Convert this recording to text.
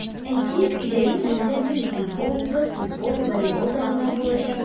Әйтик, җәен биредә мини-футбол, баскетбол, волейбол да уйнап булачак.